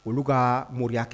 Olu ka moriya kɛ